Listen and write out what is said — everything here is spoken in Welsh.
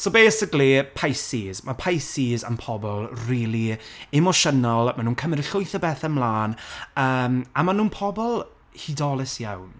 So basically, Pisces. Ma' Pisces yn pobl rili emosiynol, a ma' nhw'n cymryd llwyth o bethe 'mlan, yym, a maen nhw'n pobl, hudolys iawn.